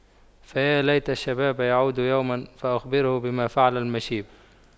فيا ليت الشباب يعود يوما فأخبره بما فعل المشيب